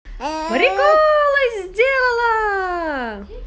приколы сделала